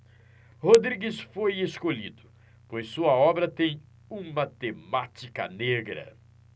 rodrigues foi escolhido pois sua obra tem uma temática negra